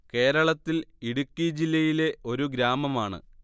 കേരളത്തിൽ ഇടുക്കി ജില്ലയിലെ ഒരു ഗ്രാമമാണ്